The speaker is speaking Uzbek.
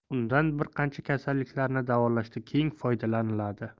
undan bir qancha kasalliklarni davolashda keng foydalaniladi